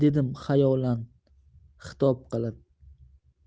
xayolan xitob qilib